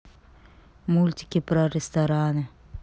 мультики про рестораны